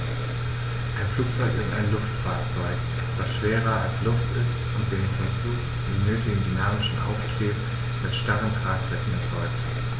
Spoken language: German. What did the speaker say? Ein Flugzeug ist ein Luftfahrzeug, das schwerer als Luft ist und den zum Flug nötigen dynamischen Auftrieb mit starren Tragflächen erzeugt.